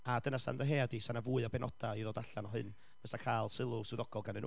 a dyna 'sa'n ddyhead i, 'sa na fwy o benodau i ddod allan o hyn, bysai cael sylw swyddogol ganddyn nhw.